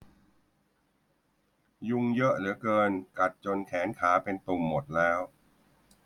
ยุงเยอะเหลือเกินกัดจนแขนขาเป็นตุ่มหมดแล้ว